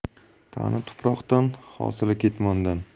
tani tuproqdan hosili ketmondan